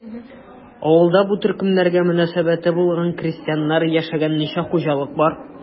Авылда бу төркемнәргә мөнәсәбәте булган крестьяннар яшәгән ничә хуҗалык бар?